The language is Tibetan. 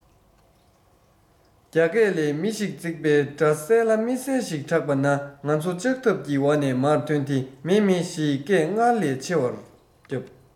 རྒྱ སྐས ལས མི ཞིག འཛེགས པའི སྒྲ གསལ ལ མི གསལ ཞིག གྲགས པ ན ང ཚོ ལྕགས ཐབ ཀྱི འོག ནས མར ཐོན ཏེ མཱེ མཱེ ཞེས སྐད སྔར ལས ཆེ བར བརྒྱབ